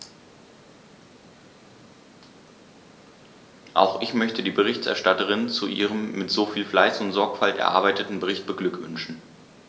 Auch ich möchte die Berichterstatterin zu ihrem mit so viel Fleiß und Sorgfalt erarbeiteten Bericht beglückwünschen.